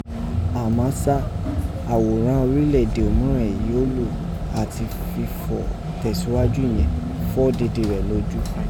Àmá sá, àghòrán orílẹ̀ èdè òmúrẹ̀n èyí ó lò áti fi họ “ìtẹ̀ngíwájú" yẹ̀n, fọ́ dede rẹ̀ nojú.